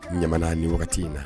Ɲamana ni waati wagati in na